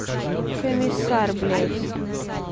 коммисар блядь